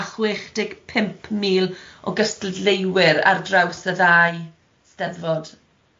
a chwech deg pump mil o gystadleuwyr ar draws y ddau Steddfod.